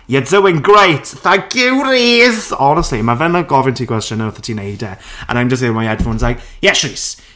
"You're doing great!" "Thank you, Reece!" Honestly, ma' fe'n, like, gofyn ti cwestiynnau wrth i ti 'neud e, And I'm just there in my headphones like "Yes, Reece!"